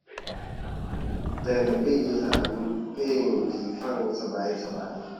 แต่งเป็นเพลงอีสาน เพลงที่ฟังสบายสบาย